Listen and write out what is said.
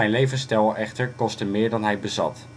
levensstijl echter kostte meer dan hij bezat